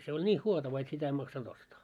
se oli niin huotava että sitä ei maksanut ostaa